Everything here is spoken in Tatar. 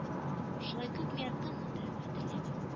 Шулай күпме ятканмындыр-хәтерләмим